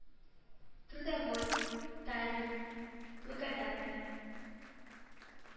Трудовой, Тавель, Благодатная,